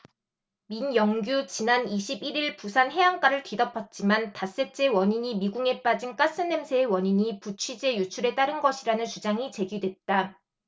민영규 지난 이십 일 일 부산 해안가를 뒤덮었지만 닷새째 원인이 미궁에 빠진 가스 냄새의 원인이 부취제 유출에 따른 것이라는 주장이 제기됐다